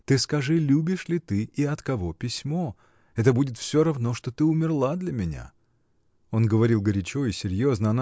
Ты скажи, любишь ли ты и от кого письмо: это будет всё равно, что ты умерла для меня. Он говорил горячо и серьезно.